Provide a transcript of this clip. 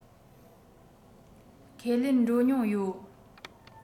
ཁས ལེན འགྲོ མྱོང ཡོད